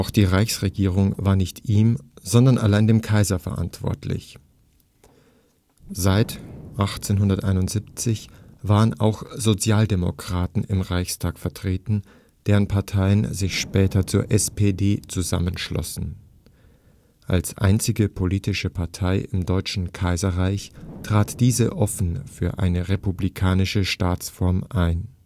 die Reichsregierung war nicht ihm, sondern allein dem Kaiser verantwortlich. Seit 1871 waren auch Sozialdemokraten im Reichstag vertreten, deren Parteien sich später zur SPD zusammenschlossen. Als einzige politische Partei im Deutschen Kaiserreich trat diese offen für eine republikanische Staatsform ein